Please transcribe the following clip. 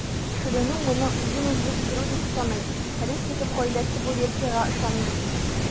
Тикшеренү моны үзен-үзе үтерү дип саный, Колесников гаиләсе бу версиягә ышанмый.